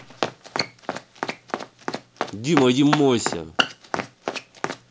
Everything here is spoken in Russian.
дима иди мойся